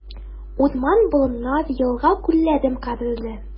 Урман-болыннар, елга-күлләрем кадерле.